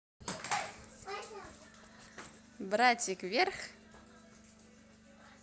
братик вверх